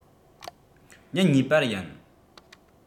ཉིན གཉིས པར ཡིན